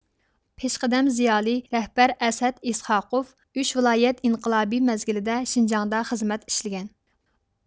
پېشقەدەم زىيالىي رەھبەر ئەسئەت ئىسھاقوف ئۈچ ۋىلايەت ئىنقىلابى مەزگىلىدە شىنجاڭدا خىزمەت ئىشلىگەن